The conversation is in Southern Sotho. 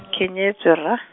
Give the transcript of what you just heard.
kenyetswe ra.